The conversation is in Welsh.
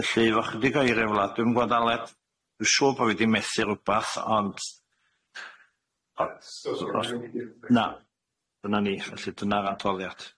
Felly efo chydig o eiriau o wlad dwi'm yn gwbo', Aled dwi siŵr bo' fi di methu rwbath ond o- na dyna ni felly dyna'r adfoddiad.